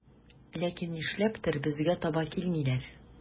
Ләкин нишләптер безгә таба килмиләр.